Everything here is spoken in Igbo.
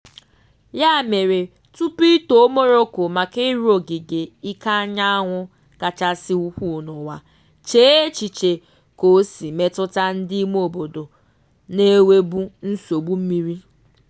Ya mere, tupu i too Morocco maka ịrụ ogige ike anyanwụ kachasị ukwuu n'ụwa, chee echiche ka o si emetụta ndị imeobodo na-enwebu nsogbu mmiri.